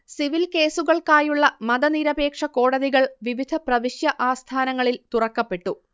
civil കേസുകൾക്കായുള്ള മതനിരപേക്ഷകോടതികൾ വിവിധ പ്രവിശ്യ ആസ്ഥാനങ്ങളിൽ തുറക്കപ്പെട്ടു